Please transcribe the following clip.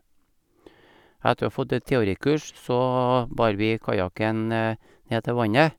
Etter å ha fått et teorikurs så bar vi kajaken ned til vannet.